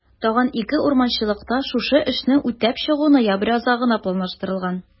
Тагын 2 урманчылыкта шушы эшне үтәп чыгу ноябрь азагына планлаштырылган.